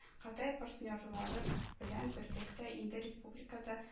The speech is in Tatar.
Кытай партнерлары белән берлектә инде республикада